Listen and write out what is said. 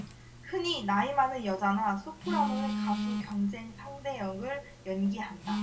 흔히 나이 많은 여자나 소프라노 가수의 경쟁 상대 역을 연기한다